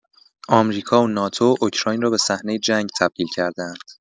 آمریکا و ناتو، اوکراین را به صحنه جنگ تبدیل کرده‌اند.